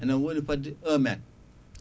ene wodi fodde 1 métre